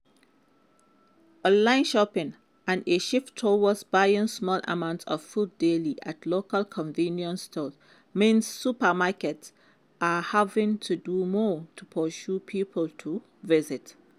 Online shopping and a shift towards buying small amounts of food daily at local convenience stores means supermarkets are having to do more to persuade people to visit.